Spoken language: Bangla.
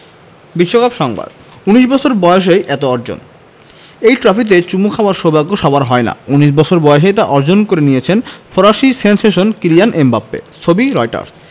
বিশ্বকাপ সংবাদ ১৯ বছর বয়সেই এত অর্জন এই ট্রফিতে চুমু খাওয়ার সৌভাগ্য সবার হয় না ১৯ বছর বয়সেই তা অর্জন করে নিয়েছেন ফরাসি সেনসেশন কিলিয়ান এমবাপ্পে ছবি রয়টার্স